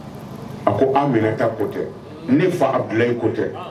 A ko Aminɛta ko tɛ ne fa Abudulayi ko tɛ